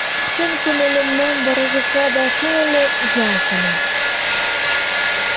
Чын күңелемнән барыгызга да күңелле ял телим!